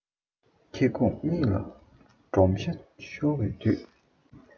ཁེ གྱོང གཉིས ལ སྦོམ ཕྲ ཤོར བའི དུས